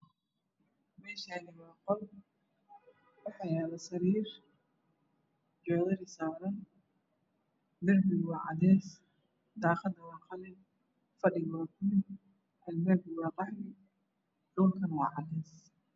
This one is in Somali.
Meshan waa qol waxa yaalo sariir jodari saran dahigawaacades daqada waa qalin fadhiga waa bulug Albabkawaa qaxwi dhulkanawaa cades